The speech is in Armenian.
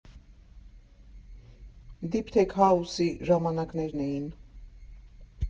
Դիփ թեք հաուսի ժամանակներն էին։